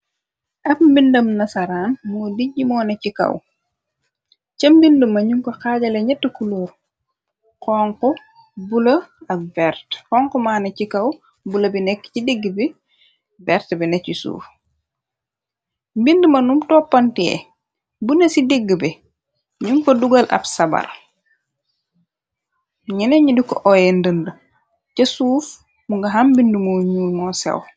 Ab mbindam nasaraan moo diji moona ci kaw, ca mbind ma ñum ko xaajale ñett kuluur, xonxu, bula ak verte, xonxu maane ci kaw, bula bi nekk ci digg bi, vert bi nee si suuf, mbind mënum toppantee, bu na ci digg bi ñum ko dugal ab sabar, ñeneñ di ko oye ndënd, ca suuf mu nga xam mbind mu ñuul moo sew.